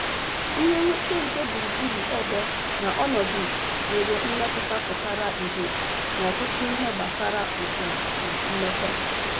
Ihe nweta nke gburugburu ebe na ọnọdụ nwere mmetụta pụtara ìhè n'ọtụtụ ihe gbasara ụbịam na mmepe.